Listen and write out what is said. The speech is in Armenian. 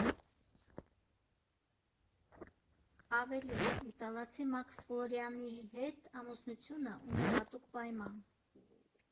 Ավելին՝ իտալացի Մաքս Ֆլորիանիի հետ ամուսնությունը ուներ հստակ պայման.